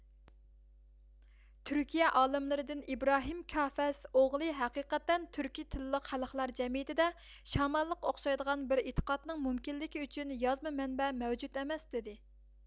تۈركىيە ئالىملىرىدىن ئىبراھىم كافەس ئوغلى ھەقىقەتەن تۈركىي تىللىق خەلقلەر جەمئىيىتىدە شامانلىققا ئوخشايدىغان بىر ئېتىقادنىڭ مۇمكىنلىكى ئۈچۈن يازما مەنبە مەۋجۇت ئەمەس دېدى